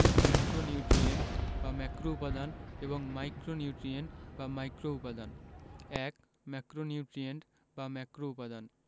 macronutrient বা ম্যাক্রোউপাদান এবং মাইক্রোনিউট্রিয়েন্ট বা মাইক্রোউপাদান ১ ম্যাক্রোনিউট্রিয়েন্ট বা ম্যাক্রোউপাদান